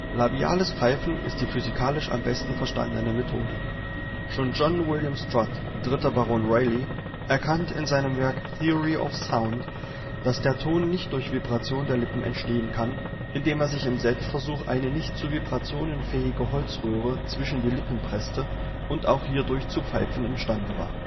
Labiales Pfeifen ist die physikalisch am besten verstandene Methode. Schon John William Strutt, 3. Baron Rayleigh (1842 - 1919), erkannte in seinem Werk Theory of Sound (1894 - 1896), dass der Ton nicht durch Vibration der Lippen entstehen kann, indem er sich im Selbstversuch eine nicht zu Vibrationen fähige Holzröhre zwischen die Lippen presste und auch hierdurch zu pfeifen imstande war